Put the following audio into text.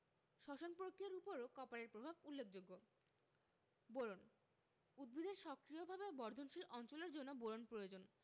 শ্বসন পক্রিয়ার উপরও কপারের প্রভাব উল্লেখযোগ্য বোরন উদ্ভিদের সক্রিয়ভাবে বর্ধনশীল অঞ্চলের জন্য বোরন প্রয়োজন